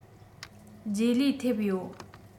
རྗེས ལུས ཐེབས ཡོད